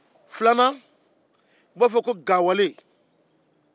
filanan u b'a fɔ ko gawale